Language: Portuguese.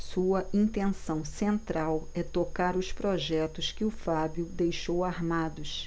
sua intenção central é tocar os projetos que o fábio deixou armados